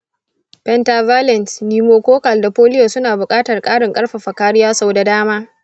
pentavalent, pneumococcal, da polio suna buƙatar ƙarin ƙarfafa kariya sau da dama.